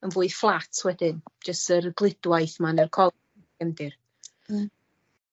yn fwy fflat wedyn jyst yr y gludwaith cefndir. Hmm.